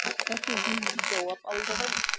Ә сез нинди җавап алдыгыз?